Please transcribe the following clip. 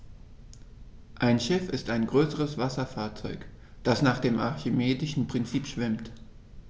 Ein Schiff ist ein größeres Wasserfahrzeug, das nach dem archimedischen Prinzip schwimmt.